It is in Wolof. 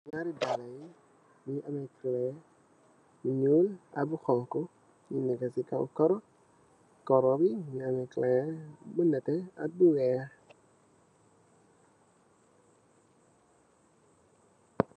Ñaari dall yi mungi ameh kuloor bu ñuul ak bu honku, nu nekk ci kaw karo. Karo bi mel ni clear, lu nete ak lu weeh.